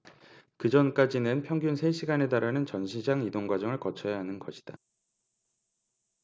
그 전까지는 평균 세 시간에 달하는 전시장 이동과정을 거쳐야 하는 것이다